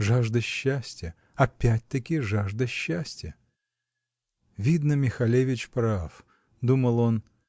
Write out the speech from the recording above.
Жажда счастья -- опять-таки жажда счастья!" "Видно, Михалевич прав, -- думал он.